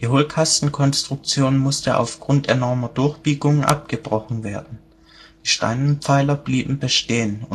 Die Hohlkastenkonstruktion musste aufgrund enormer Durchbiegungen abgebrochen werden. Die steinernen Pfeiler blieben beständig